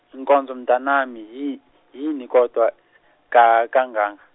Nkonzo mntanami yi- yini kodwa, ka- kangaka?